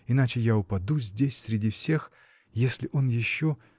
Иначе я упаду здесь, среди всех, если он еще.